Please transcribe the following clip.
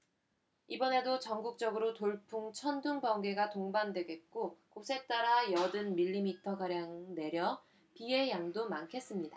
이번에도 전국적으로 돌풍 천둥 번개가 동반되겠고 곳에 따라 여든 밀리미터 가량 내려 비의 양도 많겠습니다